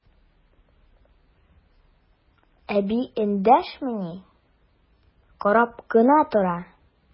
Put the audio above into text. Әби эндәшми, карап кына тора.